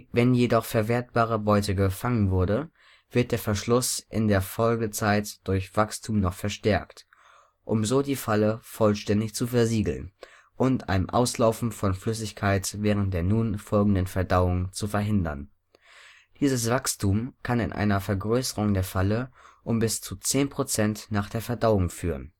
Wenn jedoch verwertbare Beute gefangen wurde, wird der Verschluss in der Folgezeit durch Wachstum noch verstärkt, um so die Falle vollständig zu versiegeln und ein Auslaufen von Flüssigkeit während der nun folgenden Verdauung zu verhindern. Dieses Wachstum kann zu einer Vergrößerung der Falle um bis zu 10 % nach der Verdauung führen